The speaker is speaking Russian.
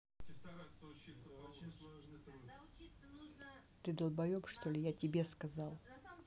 ты долбоеб что ли я тебе сказал